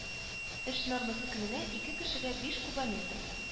Эш нормасы көненә ике кешегә биш кубометр